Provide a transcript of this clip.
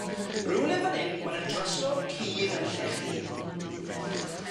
Rywle fyn 'yn ma' ny drysor cudd yn llechi.